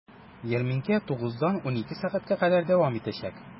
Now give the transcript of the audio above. Ярминкә 9 дан 12 сәгатькә кадәр дәвам итәчәк.